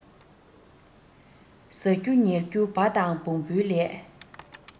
ཟ རྒྱུ ཉལ རྒྱུ བ དང བོང བའི ལས